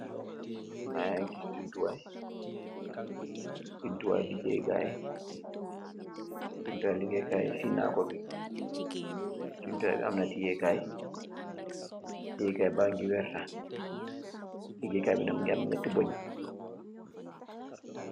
Maa ngee gis jumtuwaay, jumtuwaay legeyee Jumtuwaay leegey i kaay si naaco bi. Am na tiyee kaay, tiyee kaay baa ñgi werta, ligeyee kaay bi nac, mu ngi am ñati bëñge.